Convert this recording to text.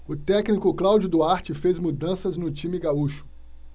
o técnico cláudio duarte fez mudanças no time gaúcho